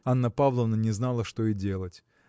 Анна Павловна не знала, что и делать.